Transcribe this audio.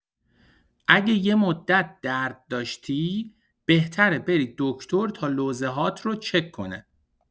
اگه یه مدت درد داشتی، بهتره بری دکتر تا لوزه‌هات رو چک کنه.